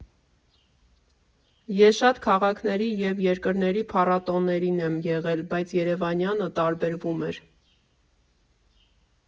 Ես շատ քաղաքների ու երկրների փառատոներին եմ եղել, բայց երևանյանը տարբերվում էր։